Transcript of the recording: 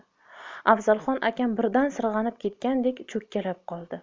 afzalxon akam birdan sirg'anib ketgandek cho'kkalab qoldi